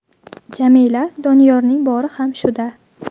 jamila doniyorning bori ham shuda